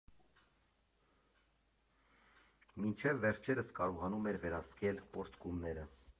Մինչև վերջերս՝ կարողանում էր վերահսկել պոռթկումները։